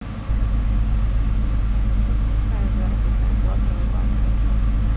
какая заработная плата в иванове